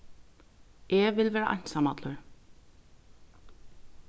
eg vil vera einsamallur